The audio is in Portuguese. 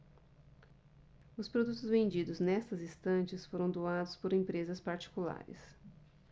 os produtos vendidos nestas estantes foram doados por empresas particulares